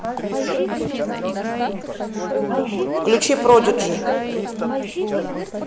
включи продиджи